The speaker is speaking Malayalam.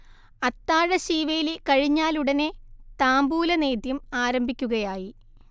അത്താഴ ശീവേലി കഴിഞ്ഞാലുടനെ താംബൂലനേദ്യം ആരംഭിക്കുകയായി